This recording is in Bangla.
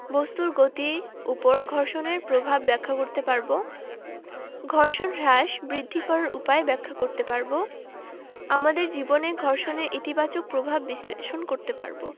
বস্তুর গতির উপর ঘর্ষণের প্রভাব বিশ্লেষণ করতে পারব ঘর্ষণ হ্রাস বৃদ্ধি করার উপায় ব্যাখ্যা করতে পারব আমাদের জীবনে ঘর্ষণের ইতিবাচক প্রভাব বিশ্লেষণ করতে পারব